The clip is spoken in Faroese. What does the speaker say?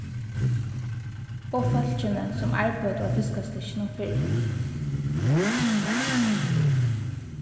og fólkini sum arbeiddu á fiskastykkinum fyrr